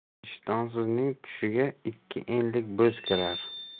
ishtonsizning tushiga ikki enlik bo'z kirar